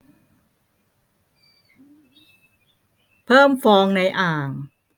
เพิ่มฟองในอ่าง